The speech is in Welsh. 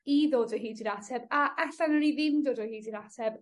i ddod o hyd i'r ateb a 'alla' newn ni ddim dod o hyd i'r ateb